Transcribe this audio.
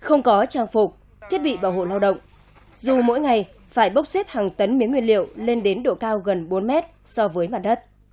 không có trang phục thiết bị bảo hộ lao động dù mỗi ngày phải bốc xếp hàng tấn mía nguyên liệu lên đến độ cao gần bốn mét so với mặt đất